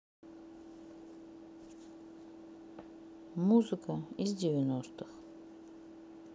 музыка из девяностых